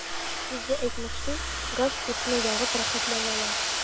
Үзе әйтмешли, газ-утны ягып “рәхәтләнәләр”.